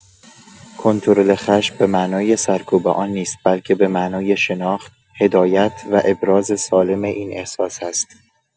کنترل خشم به معنای سرکوب آن نیست، بلکه به معنای شناخت، هدایت و ابراز سالم این احساس است.